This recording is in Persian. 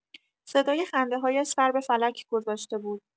صدای خنده‌هایش سر به فلک گذاشته بود.